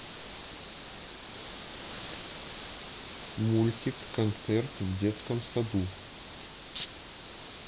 мультик концерт в детском саду